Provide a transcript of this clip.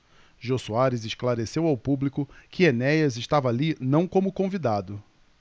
jô soares esclareceu ao público que enéas estava ali não como convidado